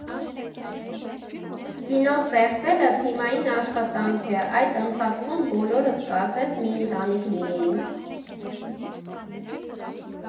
Կինո ստեղծելը թիմային աշխատանք է, այդ ընթացքում բոլորս կարծես մի ընտանիք լինեինք։